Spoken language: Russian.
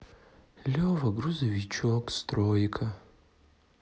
лева грузовичок стройка